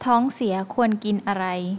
ท้องเสียควรกินอะไร